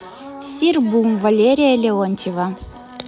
sir бум валерия леонтьева